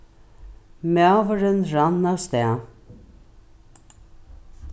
maðurin rann avstað